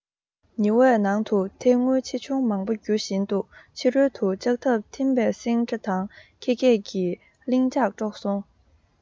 ཉི འོད ནང དུ ཐལ རྡུལ ཆེ ཆུང མང པོ རྒྱུ བཞིན འདུག ཕྱི རོལ དུ ལྕགས ཐག འཐེན པའི སིང སྒྲ དང ཁྱི སྐད ཀྱིས ལྷིང འཇགས དཀྲོགས སོང